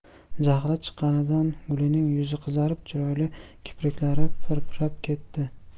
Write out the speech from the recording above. jahli chiqqanidan gulining yuzi qizarib chiroyli kipriklari pirpirab ketdi